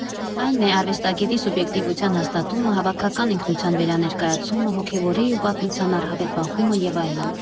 Այն է՝ արվեստագետի սուբյեկտիվության հաստատումը, հավաքակական ինքնության վերաներկայացումը, հոգևորի ու պատմության առհավետ բախումը և այլն։